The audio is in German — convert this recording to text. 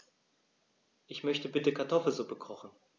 Ich möchte bitte Kartoffelsuppe kochen.